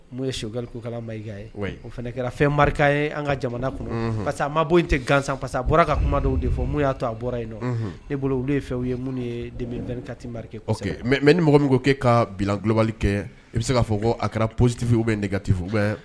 N'o ye sekukali ko kala maka ye o fana kɛra fɛn ye an ka jamana kɔnɔ pasa a ma bɔ in tɛ gansan pasa a bɔra ka kumadenw de fɔ n' y' to a bɔra yen nɔ ne bolo olu ye fɛ u ye minnu ye kati mɛ ni mɔgɔ min' kɛ ka bilalobali kɛ i bɛ se k'a fɔ a kɛra psitifin bɛ yen ne ka taafu